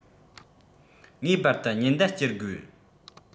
ངེས པར དུ ཉེན བརྡ སྐྱེལ དགོས